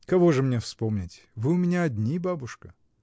— Кого же мне вспомнить: вы у меня одни, бабушка!